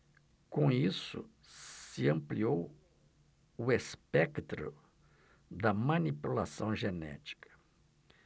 com isso se ampliou o espectro da manipulação genética